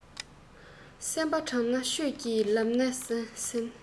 སེམས པ དྲང ན ཆོས ཀྱི ལམ སྣ ཟིན